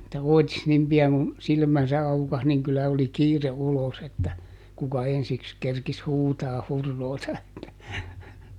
että oitis niin pian kuin silmänsä aukaisi niin kyllä oli kiire ulos että kuka ensiksi kerkisi huutamaan huroota että